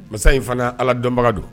Masa in fana ala dɔnbaga don